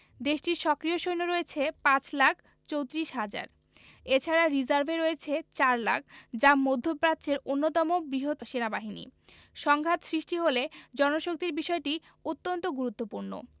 দেশটির সক্রিয় সৈন্য রয়েছে ৫ লাখ ৩৪ হাজার এ ছাড়া রিজার্ভে রয়েছে ৪ লাখ যা মধ্যপ্রাচ্যের অন্যতম বৃহৎ সেনাবাহিনী সংঘাত সৃষ্টি হলে জনশক্তির বিষয়টি অন্তত গুরুত্বপূর্ণ